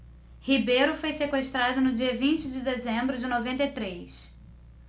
ribeiro foi sequestrado no dia vinte de dezembro de noventa e três